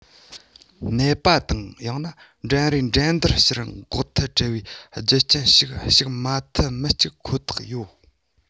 ནད པ དང ཡང ན འགྲན རའི འགྲན བསྡུར ཕྱིར འགོག ཐབས བྲལ བའི རྒྱུ རྐྱེན ཞིག ཞུགས མ ཐུབ མི གཅིག ཁོ ཐག ཡོད